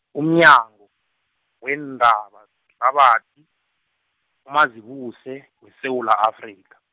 umnyango, weendaba, zehlabathi, uMazibuse, weSewula Afrika.